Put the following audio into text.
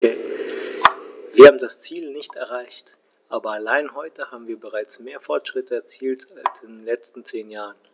Wir haben das Ziel nicht erreicht, aber allein heute haben wir bereits mehr Fortschritte erzielt als in den letzten zehn Jahren.